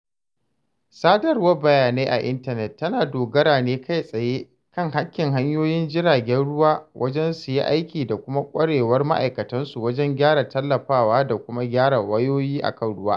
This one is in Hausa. Sadarwar bayanai a intanet tana dogara ne kai tsaye kan haƙƙin hanyoyin jiragen ruwa wajen su yi aiki da kuma ƙwarewar ma’aikatansu wajen gyara, tallafawa da kuma gyara wayoyi akan ruwa.